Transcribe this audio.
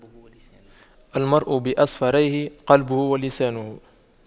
المرء بأصغريه قلبه ولسانه